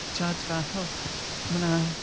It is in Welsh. Timod fel... mae hwnna...